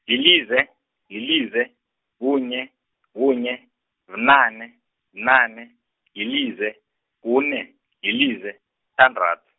lilize, yilize, kunye, kunye, bunane, nane, yilize, kune, yilize, sithandathu.